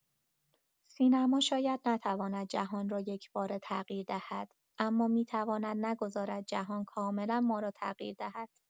سینما شاید نتواند جهان را یک‌باره تغییر دهد، اما می‌تواند نگذارد جهان کاملا ما را تغییر دهد.